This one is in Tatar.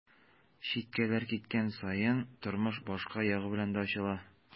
Читкәрәк киткән саен тормыш башка ягы белән дә ачыла.